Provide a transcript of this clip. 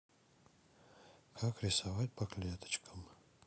как рисовать по клеточкам